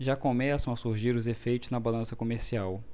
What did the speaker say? já começam a surgir os efeitos na balança comercial